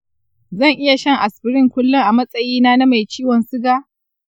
zan iya shan aspirin kullun a matsayina na mai ciwon siga?